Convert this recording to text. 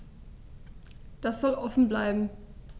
Das soll offen bleiben.